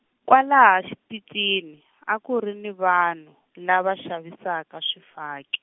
kwalaha xiticini a ku ri ni vanhu lava xavisaka swifak-.